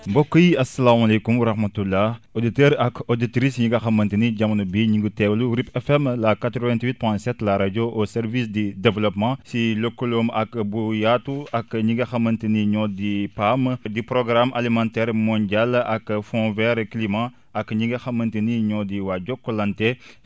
mbokk yi asalaamaaleykum wa rahmatulah auditeurs ak auditrices yi nga xamante ni jamono bii ñu ngi teewlu RIP FM la 88 point 7 la rajo au service du développement ci lëkkaloom ak bu yaatu ak ñi nga xamante ni ñoo di PAM di programme alimentaire mondial ak fond vert climat ak ñi nga xamante ni ñoo di waa Jokalante